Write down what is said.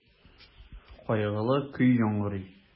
Кайгылы көй яңгырый.